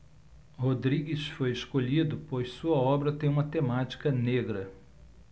rodrigues foi escolhido pois sua obra tem uma temática negra